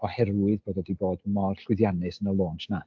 Oherwydd bod o 'di bod mor llwyddiannus yn y launch yna.